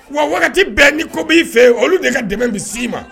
Wa wagati bɛɛ n ni kɔ b'i fɛ yen olu de ka dɛmɛ bɛ s'i ma